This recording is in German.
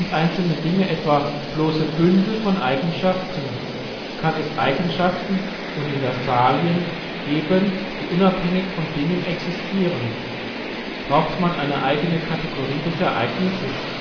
einzelne Dinge etwa bloße Bündel von Eigenschaften? Kann es Eigenschaften (Universalien) geben, die unabhängig von Dingen existieren? Braucht man eine eigene Kategorie des Ereignisses